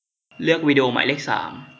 เลือกวิดีโอหมายเลขสาม